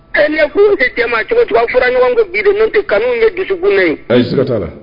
Ɛɛ furu tɛ cɛcogo cogoya fura ɲɔgɔn bi nɔ tɛ kanu ye dusuugunɛ